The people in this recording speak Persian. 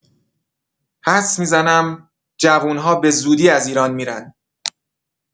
حدس می‌زنم جوون‌ها به‌زودی از ایران می‌رن.